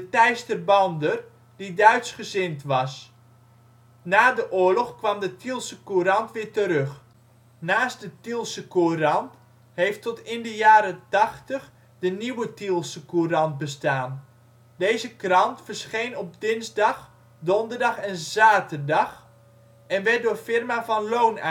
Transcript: Teisterbander, die Duits-gezind was. Na de oorlog kwam de Tielse Courant weer terug. Naast de " De Tielsche Courant " heeft tot in de jaren tachtig de Nieuwe Tielsche Courant bestaan. Deze krant verscheen op dinsdag, donderdag en zaterdag en werd door firma van Loon